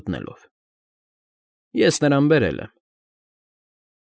Մտնելով։֊ Ես նրան բերել եմ։